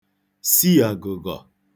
si àgụ̀gọ̀